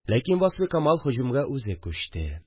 Ләкин Васфикамал һөҗүмгә үзе күчте